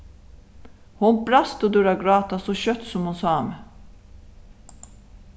hon brast útúr at gráta so skjótt sum hon sá meg